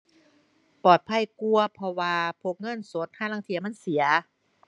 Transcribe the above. ปลอดภัยกว่า เพราะว่าพกเงินสดห่าลางเที่ยมันเสีย